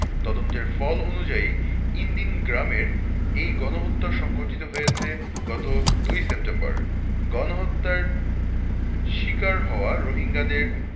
তদন্তের ফল অনুযায়ী ইনদিন গ্রামের ওই গণহত্যা সংঘটিত হয়েছে গত ২ সেপ্টেম্বর গণহত্যার শিকার হওয়া রোহিঙ্গাদের